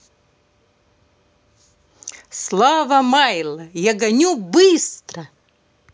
слава майло я гоню быстро